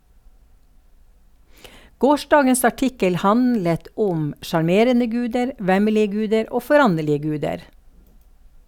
Gårsdagens artikkel handlet om sjarmerende guder , vemmelige guder og foranderlige guder.